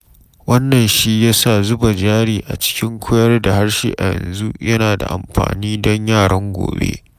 Wannan shi ya sa zuba jari a cikin koyar da harshe a yanzu yana da amfani don yaran gobe.